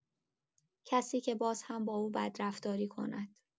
کسی که باز هم با او بدرفتاری کند.